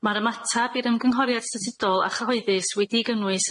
Ma'r ymatab i'r ymgynghoriad statudol a chyhoeddus wedi'i gynnwys